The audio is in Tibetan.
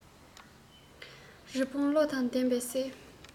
རི བོང བློ དང ལྡན པས བསད